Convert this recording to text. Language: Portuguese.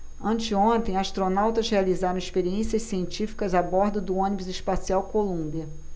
anteontem astronautas realizaram experiências científicas a bordo do ônibus espacial columbia